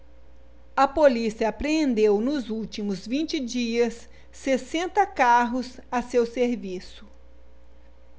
a polícia apreendeu nos últimos vinte dias sessenta carros a seu serviço